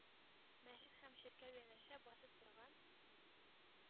Мәчет һәм чиркәү янәшә басып торган